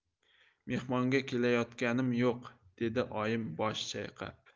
mehmonga ketayotganim yo'q dedi oyim bosh chayqab